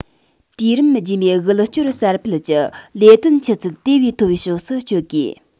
དུས རིམ རྗེས མའི དབུལ སྐྱོར གསར སྤེལ གྱི ལས དོན ཆུ ཚད དེ བས མཐོ བའི ཕྱོགས སུ བསྐྱོད དགོས